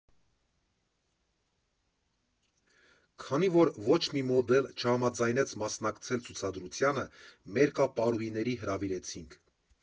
Քանի որ ոչ մի մոդել չհամաձայնեց մասնակցել ցուցադրությանը, մերկապարուհիների հրավիրեցինք։